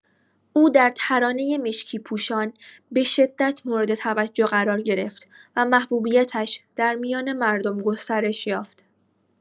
او در ترانۀ مشکی‌پوشان به‌شدت مورد توجه قرار گرفت و محبوبیتش در میان مردم گسترش یافت.